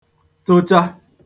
tụcha